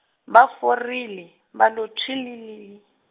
va forile, va lo thwililii.